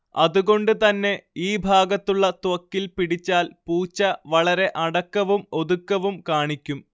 അതുകൊണ്ട് തന്നെ ഈ ഭാഗത്തുള്ള ത്വക്കിൽ പിടിച്ചാൽ പൂച്ച വളരെ അടക്കവും ഒതുക്കവും കാണിക്കും